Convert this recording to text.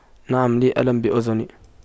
نعم لي ألم بأذني